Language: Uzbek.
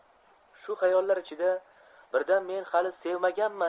shu hayollar ichida birdan men hali sevmaganman